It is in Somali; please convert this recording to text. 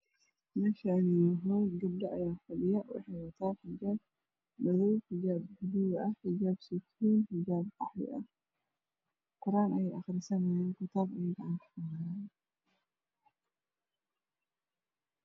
Meshani waa hool gabdho aya fadhiya waxey watan xijab madow xijab baluug ah xijab seytuun ah xijab qaxwi ah quran ayey aqrisanay kutab ayey gacanta kuhayan